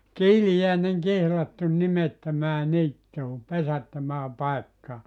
kiiliäinen kihlattu nimettömään niittyyn pesättömään paikkaan